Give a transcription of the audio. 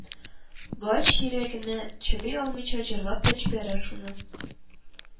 Гач, йөрәгенә чыдый алмыйча, җырлап та җибәрә, шуны